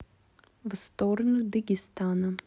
в сторону дагестана